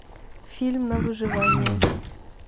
фильм на выживание